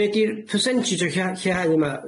Be di'r percentage o llei- lleihau yma?